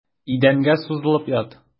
Идәнгә сузылып ят.